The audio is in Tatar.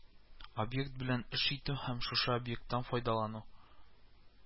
Объект белән эш итү һәм шушы объекттан файдалану